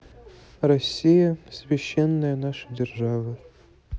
россия священная наша держава